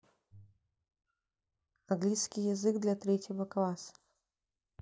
английский язык для третьего класса